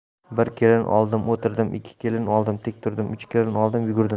bir kelin oldim o'tirdim ikki kelin oldim tik turdim uch kelin oldim yugurdim